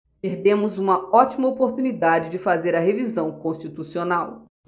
perdemos uma ótima oportunidade de fazer a revisão constitucional